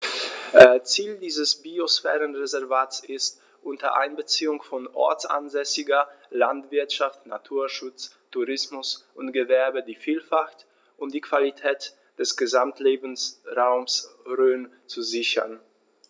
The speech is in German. Ziel dieses Biosphärenreservates ist, unter Einbeziehung von ortsansässiger Landwirtschaft, Naturschutz, Tourismus und Gewerbe die Vielfalt und die Qualität des Gesamtlebensraumes Rhön zu sichern.